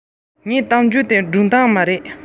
ངའི གཏམ རྒྱུད འདི སྒྲུང གཏམ